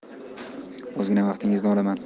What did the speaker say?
ozgina vaqtingizni olaman